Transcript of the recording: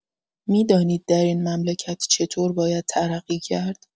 می‌دانید در این مملکت چطور باید ترقی کرد؟